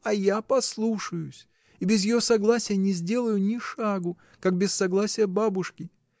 — А я послушаюсь — и без ее согласия не сделаю ни шагу, как без согласия бабушки.